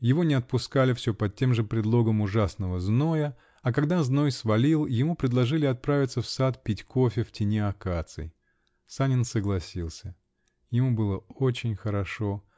Его не отпускали все под тем же предлогом ужасного зноя, а когда зной свалил, ему предложили отправиться в сад пить кофе в тени акаций. Санин согласился. Ему было очень хорошо.